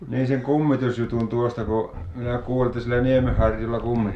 niin sen kummitusjutun tuosta kun minä kuulin että siellä Niemenharjulla kummittelee